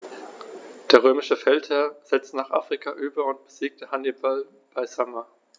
Der römische Feldherr setzte nach Afrika über und besiegte Hannibal bei Zama.